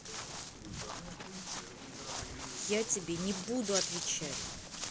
я тебе не буду отвечать